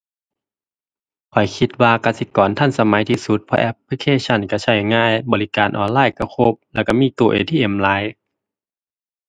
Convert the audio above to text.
ข้อยคิดว่ากสิกรทันสมัยที่สุด เพราะแอปพลิเคชันก็ใช้ง่าย บริการออนไลน์ก็ครบ แล้วก็มีตู้ ATM หลาย